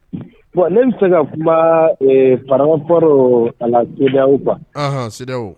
Bon ne fɛ ka kuma faraoro alaw